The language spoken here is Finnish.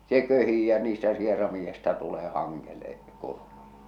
se köhii ja niistä sieraimista tulee hangelle kurmuja